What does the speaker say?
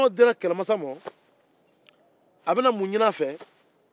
n'o dira kɛlɛmasa ma a bɛ na mun jikɔsa